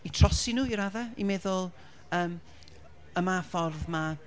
'u trosi nhw i raddau. I meddwl yym, ym mha ffordd ma'...